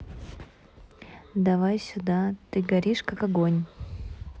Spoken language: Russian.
давай сюда ты горишь как огонь